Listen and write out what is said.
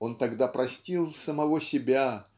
он тогда простил самого себя